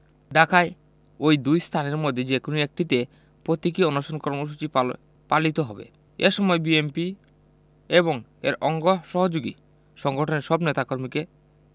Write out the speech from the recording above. ঢাকায় ওই দুই স্থানের মধ্যে যেকোনো একটিতে প্রতীকী অনশন কর্মসূচি পাল পালিত হবে এ সময় বিএনপি এবং এর অঙ্গ সহযোগী সংগঠনের সব নেতাকর্মীকে